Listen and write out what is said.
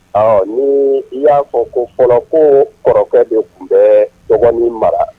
Ɔ ni i y'a fɔ ko kɔrɔfɔ kɔrɔkɛ de tun bɛ dɔgɔnin mara